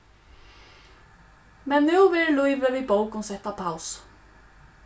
men nú verður lívið við bókum sett á pausu